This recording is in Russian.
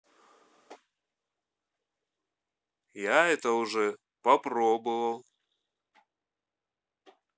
я это уже попробовал